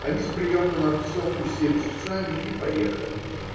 они с приемным отцом уселись в сани и поехали.